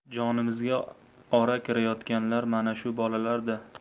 jonimizga ora kirayotganlar mana shu bolalarda